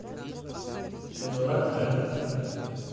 ты дурак да